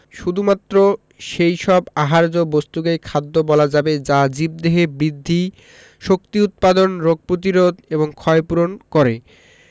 শুধুমাত্র সেই সব আহার্য বস্তুকেই খাদ্য বলা যাবে যা জীবদেহে বৃদ্ধি শক্তি উৎপাদন রোগ প্রতিরোধ এবং ক্ষয়পূরণ করে